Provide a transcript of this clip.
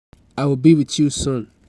I'll be with you soon.